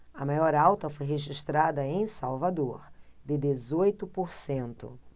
a maior alta foi registrada em salvador de dezoito por cento